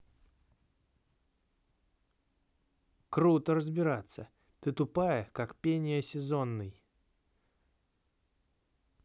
круто разбираться ты тупая как пения сезонный